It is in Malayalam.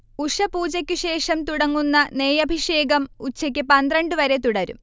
ഉഷഃപൂജക്കുശേഷം തുടങ്ങുന്ന നെയ്യഭിഷേകം ഉച്ചക്ക് പന്ത്രണ്ട് വരെ തുടരും